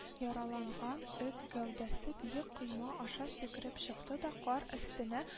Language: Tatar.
Яраланган эт гәүдәсе биек койма аша сикереп чыкты да кар өстенә